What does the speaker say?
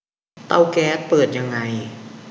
เตาแก๊สเปิดยังไง